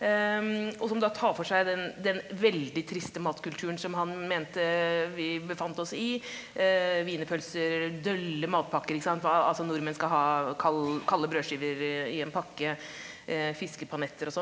og som da tar for seg den den veldig triste matkulturen som han mente vi befant oss i wienerpølser, dølle matpakker ikke sant, hva altså nordmenn skal ha kald kalde brødskiver i en pakke fiskepanetter og sånn.